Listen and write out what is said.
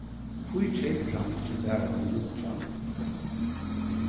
hví keypir hann ikki bara ein nýggjan